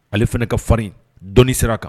Ale fana ka farin dɔnni sira kan